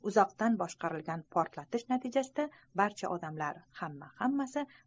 uzoqdan boshqarilgan portlatish natijasida barcha odamlar hamma hammasi